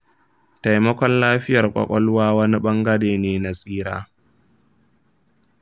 taimakon lafiyar kwakwalwa wani bangare ne na tsira.